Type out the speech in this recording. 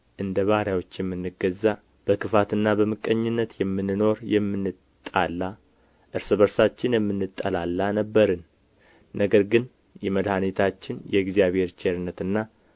እንደ ባሪያዎች የምንገዛ በክፋትና በምቀኝነት የምንኖር የምንጣላ እርስ በርሳችን የምንጠላላ ነበርን ነገር ግን የመድኃኒታችን የእግዚአብሔር ቸርነትና